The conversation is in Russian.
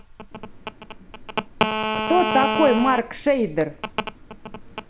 кто такой марк шейдер